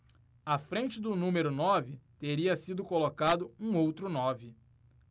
à frente do número nove teria sido colocado um outro nove